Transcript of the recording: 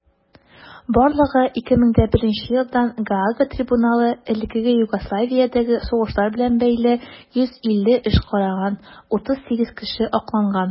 Барлыгы 2001 елдан Гаага трибуналы элеккеге Югославиядәге сугышлар белән бәйле 150 эш караган; 38 кеше акланган.